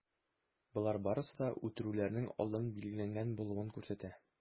Болар барысы да үтерүләрнең алдан билгеләнгән булуын күрсәтә.